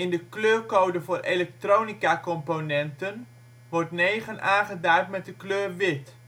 de kleurcode voor elektronicacomponenten wordt 9 aangeduid met de kleur wit